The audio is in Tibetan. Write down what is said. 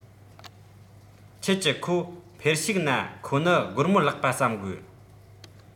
ཁྱེད ཀྱི ཁོ འཕེལ ཤུགས ན ཁོ ནི སྒོར མོ བརླག པ བསམ དགོས